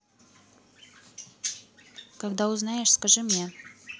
когда узнаешь скажи мне